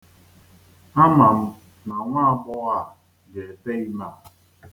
Ama m na nwa aghọghọ a ga-ete ime a.